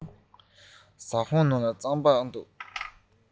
ཟ ཁང ལ རྩམ པ འདུག གས